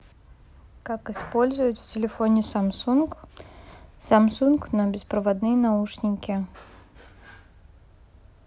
как использовать в телефоне самсунг самсунг на беспроводные наушники